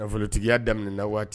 Nafolotigi yya daminɛminɛna waati